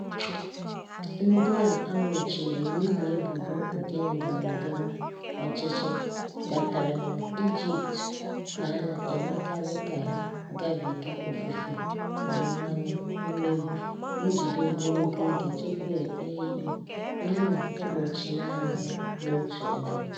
Ndị a nwụchiri n'ihi ebubo nke ndọrọ ndọrọ ọchịchị kpatara na Egypt ka a na-emekarị ka ha gabiga ofufu na mmanye, mmegbu, njide ogologo oge tupu e kpee ikpe yana ịkpọchi naanị ha n'otu ebe.